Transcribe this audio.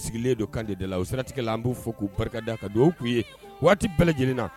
Sigilen do kan de da la, o siratigɛ la an b'u fɔ k'u barika da, ka duwahu k'u ye, waati bɛɛ lajɛlen na